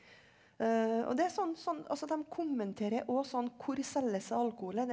og det er sånn sånn altså dem kommenterer og sånn hvor selges det alkohol hen?